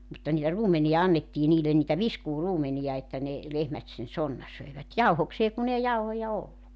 mutta niitä ruumenia annettiin niille niitä viskuuruumenia että ne lehmät sen sonnan söivät jauhokseen kun ei jauhoja ollut